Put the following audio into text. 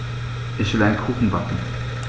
Ich will einen Kuchen backen.